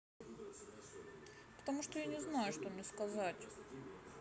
потому что я не знаю что мне сказать